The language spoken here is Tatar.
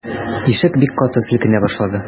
Ишек бик каты селкенә башлады.